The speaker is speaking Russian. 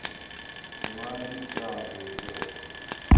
найди танго и кэш